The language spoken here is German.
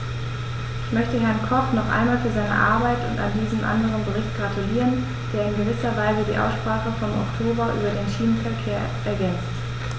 Ich möchte Herrn Koch noch einmal für seine Arbeit an diesem anderen Bericht gratulieren, der in gewisser Weise die Aussprache vom Oktober über den Schienenverkehr ergänzt.